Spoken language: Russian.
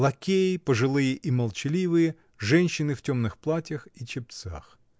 лакеи пожилые и молчаливые, женщины в темных платьях и чепцах.